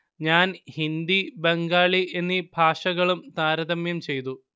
ഞാന്‍ ഹിന്ദി ബംഗാളി എന്നീ ഭാഷകളും താരതമ്യം ചെയ്തു